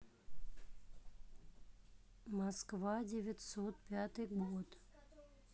москва девятьсот пятый год